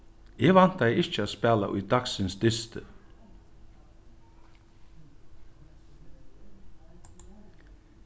eg væntaði ikki at spæla í dagsins dysti